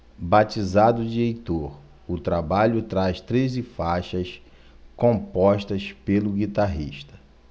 batizado de heitor o trabalho traz treze faixas compostas pelo guitarrista